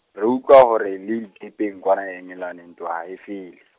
re utlwa hore le dikepeng kwana Engelane ntwa ha e fele.